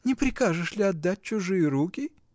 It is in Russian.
— Не прикажешь ли отдать в чужие руки?